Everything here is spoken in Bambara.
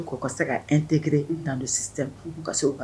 Pourque u ka se ka intégré unhun dans le système unhun ka se k'u ka